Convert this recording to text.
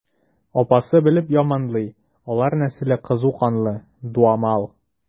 Апасы белеп яманлый: алар нәселе кызу канлы, дуамал.